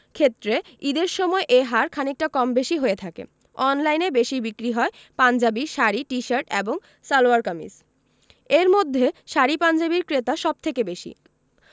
ক্ষেত্রে ঈদের সময় এ হার খানিকটা কম বেশি হয়ে থাকে অনলাইনে বেশি বিক্রি হয় পাঞ্জাবি শাড়ি টি শার্ট এবং সালোয়ার কামিজ এর মধ্যে শাড়ি পাঞ্জাবির ক্রেতা সব থেকে বেশি